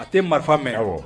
A tɛ marifa mɛn wa